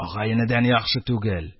Агай-энедән яхшы түгел,